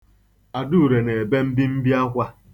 Adaure na-ebe mbimbiakwa.